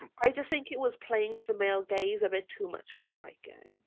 I just think it was playing to the male gaze a bit too much for my liking.